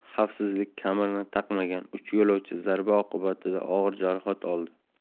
xavfsizlik kamarini taqmagan uch yo'lovchi zarba oqibatida og'ir jarohat oldi